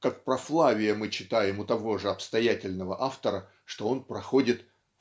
как про Флавия мы читаем у того же обстоятельного автора что он проходит